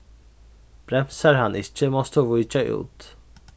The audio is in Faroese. bremsar hann ikki mást tú víkja út